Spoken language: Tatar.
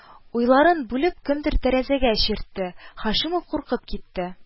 Уйларын бүлеп, кемдер тәрәзәгә чиртте, Һашимов куркып китте